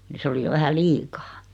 niin se oli jo vähän liikaa